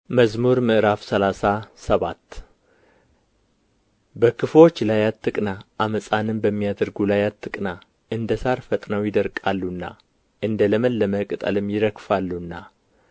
መዝሙር ምዕራፍ ሰላሳ ሰባት በክፉዎች ላይ አትቅና ዓመፃንም በሚያደርጉ ላይ አትቅና እንደ ሣር ፈጥነው ይደርቃሉና እንደ ለመለመ ቅጠልም ይረግፋሉና